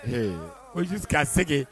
Ee o k' segingin